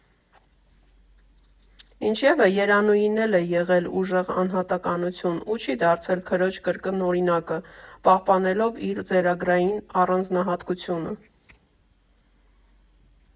Ինչևէ, Երանուհին էլ է եղել ուժեղ անհատականություն ու չի դարձել քրոջ կրկնօրինակը՝ պահպանելով իր ձեռագրային առանձնահատկությունը։